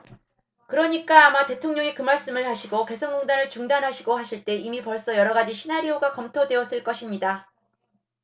그러니까 아마 대통령이 그 말씀을 하시고 개성공단을 중단하시고 하실 때 이미 벌써 여러 가지 시나리오가 검토되었을 것입니다